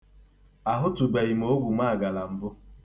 Ahụtụbeghị m ogwumaagala mbụ.